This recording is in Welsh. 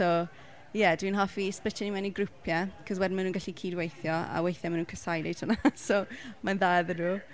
so ie dwi'n hoffi splitio nhw mewn i grwpiau, achos wedyn maen nhw'n gallu cydweithio, a weithiau mae nhw'n casau wneud hwnna , so mae'n dda iddyn nhw.